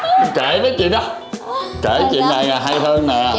kể mấy chuyện đó kể chuyện này hay hơn nè